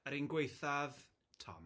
Yr un gwaethaf, Tom.